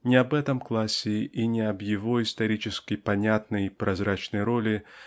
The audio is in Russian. Не об этом классе и не об его исторически понятной прозрачной роли